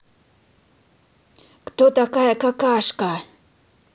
кто такая какашка